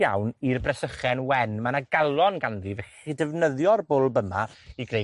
iawn i'r bresychen wen. Ma' 'na galon ganddi. Felly, defnyddio'r bwlb yma i greu